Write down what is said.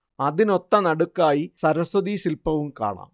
അതിനൊത്തനടുക്കായി സരസ്വതി ശില്പവും കാണാം